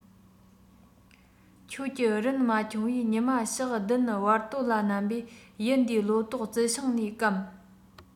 ཁྱིད ཀྱི རིན མ འཁྱོངས བས ཉི མ ཞག བདུན བར སྟོད ལ མནན པས ཡུལ འདིའི ལོ ཏོག རྩི ཤིང རྣམས བསྐམས